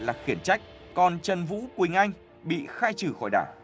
là khiển trách còn trần vũ quỳnh anh bị khai trừ khỏi đảng